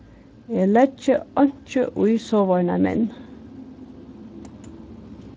eg leggi einki í sovorðnar menn